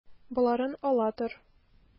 Боларын ала тор.